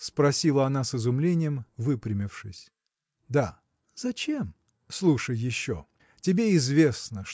– спросила она с изумлением, выпрямившись. – Да. – Зачем? – Слушай еще. Тебе известно